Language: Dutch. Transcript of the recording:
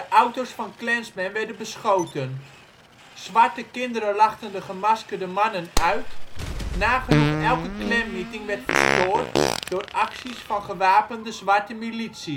auto 's van Klansmen werden beschoten. Zwarte kinderen lachten de gemaskerde mannen uit. Nagenoeg elke Klanmeeting werd verstoord door acties van gewapende zwarte milities